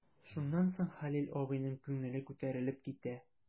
Шуннан соң Хәлил абыйның күңеле күтәрелеп китә.